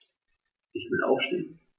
Ich will aufstehen.